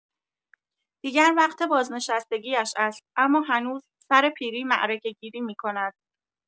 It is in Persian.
دیگر وقت بازنشستگی‌اش است، اما هنوز سر پیری معرکه‌گیری می‌کند.